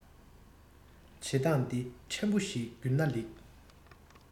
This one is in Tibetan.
བྱེད བཏང འདི ཕྲན བུ ཞིག རྒྱུར ན ལེགས